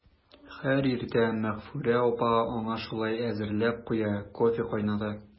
Һәр иртә Мәгъфүрә апа аңа шулай әзерләп куя, кофе кайната.